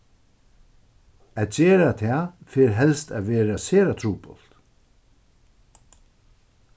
at gera tað fer helst at verða sera trupult